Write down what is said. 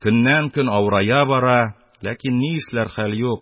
Көн-көннән авырая бара, ләкин әллә ни эшләр хәл юк,